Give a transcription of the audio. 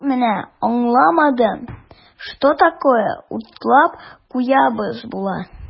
Тик менә аңламадым, что такое "уртлап куябыз" була?